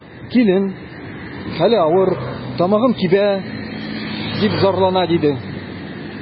Килен: хәле авыр, тамагым кибә, дип зарлана, диде.